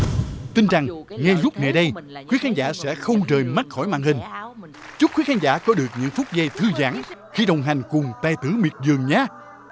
tin rằng ngay lúc này đây quý khán giả sẽ không rời mắt khỏi màn hình chúc quý khán giả có được những phút giây thư giãn khi đồng hành cùng tài tử miệt vườn nhá